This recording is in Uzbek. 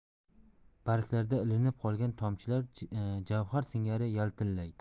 barglarda ilinib qolgan tomchilar javhar singari yaltillaydi